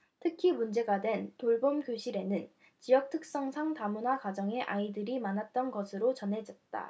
특히 문제가 된 돌봄교실에는 지역 특성상 다문화 가정의 아이들이 많았던 것으로 전해졌다